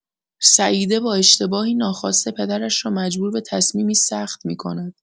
سعیده با اشتباهی ناخواسته پدرش را مجبور به تصمیمی سخت می‌کند.